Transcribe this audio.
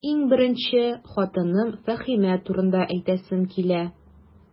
Иң беренче, хатыным Фәһимә турында әйтәсем килә.